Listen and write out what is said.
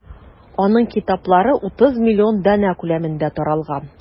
Аның китаплары 30 миллион данә күләмендә таралган.